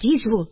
Тиз бул.